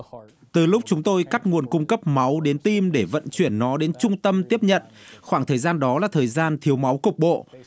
từ lúc chúng tôi cắt nguồn cung cấp máu đến tim để vận chuyển nó đến trung tâm tiếp nhận khoảng thời gian đó là thời gian thiếu máu cục bộ